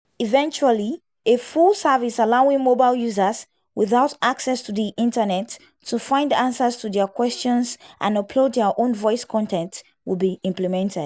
Eventually, a full service allowing mobile phone users without access to the Internet to find answers to their questions and upload their own voice content will be implemented.